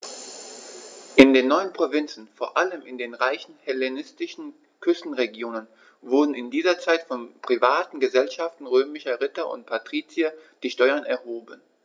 In den neuen Provinzen, vor allem in den reichen hellenistischen Küstenregionen, wurden in dieser Zeit von privaten „Gesellschaften“ römischer Ritter und Patrizier die Steuern erhoben.